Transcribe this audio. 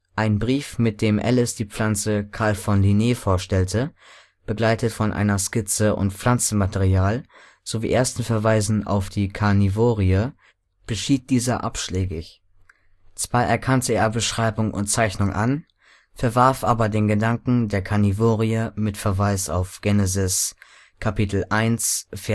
Einen Brief, mit dem Ellis die Pflanze Carl von Linné vorstellte, begleitet von einer Skizze und Pflanzenmaterial sowie ersten Verweisen auf die Karnivorie, beschied dieser abschlägig. Zwar erkannte er Beschreibung und Zeichnung an, verwarf aber den Gedanken der Karnivorie mit Verweis auf Genesis 1,29f